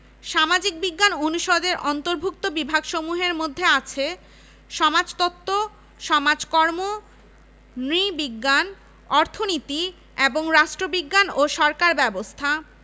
সামাজিক বিজ্ঞান অনুষদের অন্তর্ভুক্ত বিভাগসমূহের মধ্যে আছে সমাজতত্ত্ব সমাজকর্ম নৃবিজ্ঞান অর্থনীতি এবং রাষ্ট্রবিজ্ঞান ও সরকার ব্যবস্থা